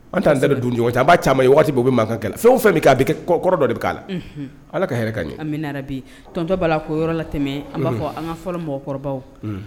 An tan nd dun cogo caman an b'a cama ye waati bɛ mankan kɛlɛ fɛn o fɛn min k'a kɛ kɔrɔ dɔ de bɛ k'a la ala ka hɛrɛ ka ɲɛ an bɛ bi tɔnontɔ'a la ko yɔrɔ latɛ an b'a fɔ an ka fɔlɔ mɔgɔkɔrɔbabaw